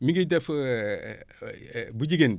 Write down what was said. mi ngi def bu jigéen bi